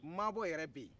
maabɔ yɛrɛ bɛ yen